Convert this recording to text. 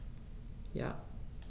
Ja.